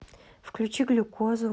включи глюкозу